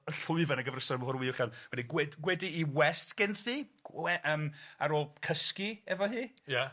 llwyfan ar gyfer , wedyn gwed- gwedu i west genthi, gwe- yym ar ôl cysgu efo hi. Ia.